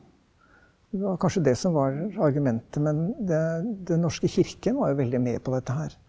det var kanskje det som var argumentet, men det den norske kirken var jo veldig med på dette her.